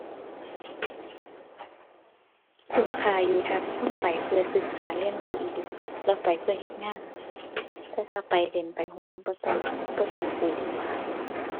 คุ้มค่าอยู่ถ้าคนไปเพื่อศึกษาเรียนรู้อีหลีหรือไปเพื่อเฮ็ดงาน แต่ถ้าไปเล่นไปหัวบ่ต้องบ่ต้องกู้ดีกว่า